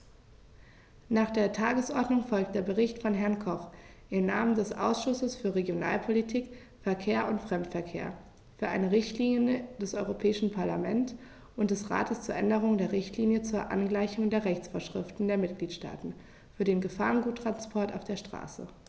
Nach der Tagesordnung folgt der Bericht von Herrn Koch im Namen des Ausschusses für Regionalpolitik, Verkehr und Fremdenverkehr für eine Richtlinie des Europäischen Parlament und des Rates zur Änderung der Richtlinie zur Angleichung der Rechtsvorschriften der Mitgliedstaaten für den Gefahrguttransport auf der Straße.